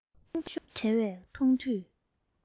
ཤོང ཐབས བྲལ བའི མཐོང ཐོས